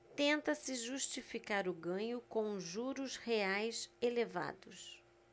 tenta-se justificar o ganho com os juros reais elevados